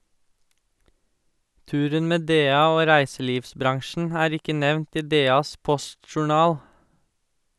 Turen med DA og reiselivsbransjen er ikke nevnt i DAs postjournal.